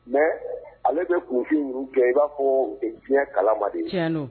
Mɛ ale bɛ kunfin kɛ i b'a fɔ diɲɛ kalama de ye